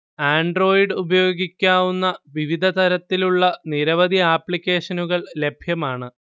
Android ഉപയോഗിക്കാവുന്ന വിവിധതരത്തിലുള്ള നിരവധി ആപ്ലിക്കേഷനുകൾ ലഭ്യമാണ്